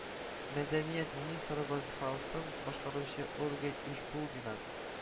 Мәдәният министры вазыйфасын башкаручы ольга ишбулдина